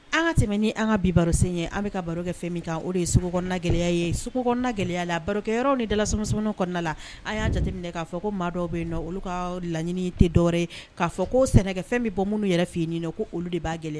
An ka tɛmɛ ni an ka bi barosen ye an bɛ ka baro kɛ fɛn min kan o de yek gɛlɛya ye su gɛlɛyaya la barokɛyɔrɔ ni dala s kɔnɔna la a y'a jateminɛ k'a fɔ ko maa dɔw bɛ yen nɔn olu ka laɲiniini tɛ dɔwɛrɛ k'a fɔ ko sɛnɛ fɛn bɛ bɔ minnu yɛrɛ f'i ɲini nɔ ko olu de b'a gɛlɛya